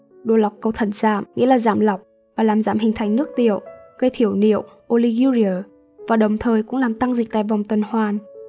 độ lọc cầu thận giảm nghĩa là giảm lọc và làm giảm hình thành nước tiểu gây thiểu niệu và đồng thời cũng làm tăng dịch tại vòng tuần hoàn